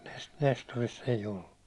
- Nestorissa ei ollut